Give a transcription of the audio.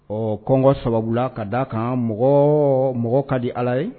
Ɔ kɔngɔ sababu ka d'a kan mɔgɔ mɔgɔ ka di ala ye